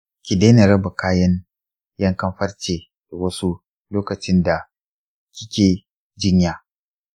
ki daina raba kayan yankan farce da wasu lokacinda da kike jinya.